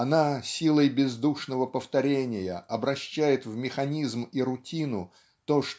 она силой бездушного повторения обращает в механизм и рутину то